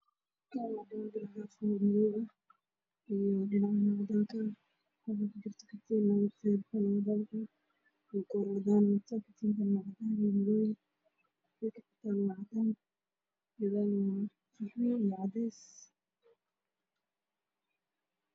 Waxa ay muuqda geed madow waxaa qorta u suran kartiin cadaan ah oo dheyman ah